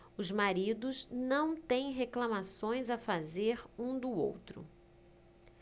os maridos não têm reclamações a fazer um do outro